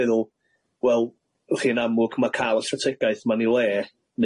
feddwl wel w'ch chi'n amlwg ma' ca'l y strategaeth ma'n 'i le